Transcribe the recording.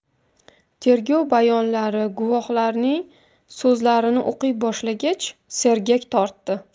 tergov bayonlari guvohlarning so'zlarini o'qiy boshlagach sergak tortdi